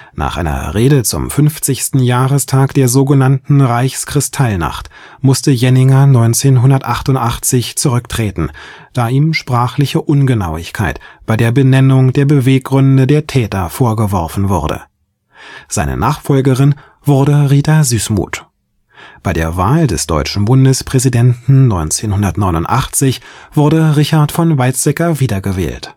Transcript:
Nach einer Rede zum 50. Jahrestag der sogenannten Reichskristallnacht musste Jenninger 1988 zurücktreten, da ihm sprachliche Ungenauigkeit bei der Benennung der Beweggründe der Täter vorgeworfen wurde. Seine Nachfolgerin wurde Rita Süssmuth. Bei der Wahl des deutschen Bundespräsidenten 1989 wurde Richard von Weizsäcker wiedergewählt